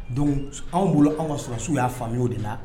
Don anw bolo anw ka sɔrɔsiw y'a faamuya o de la